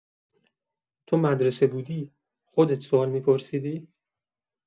تو مدرسه بودی، خودت سؤال می‌پرسیدی؟